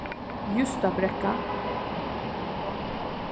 jústabrekka